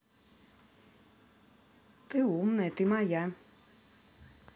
ты умная ты моя